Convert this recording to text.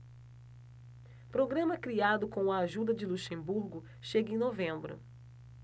programa criado com a ajuda de luxemburgo chega em novembro